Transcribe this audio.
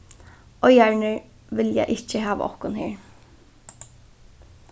eigararnir vilja ikki hava okkum her